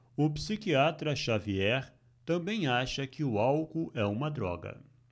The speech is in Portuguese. o psiquiatra dartiu xavier também acha que o álcool é uma droga